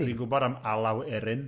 Fi'n gwybod am Alaw Erin.